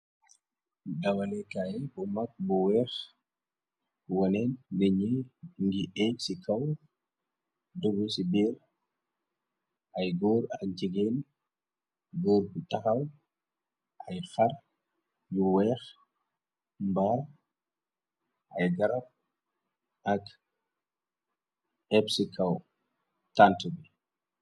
Dawalekaay bu mag bu weex woneen niñi ngi eb ci kaw dugu ci biir ay góor ak njigeen góor bu taxaw ay xar yu weex mba ay garab ak eb ci kaw tant bi.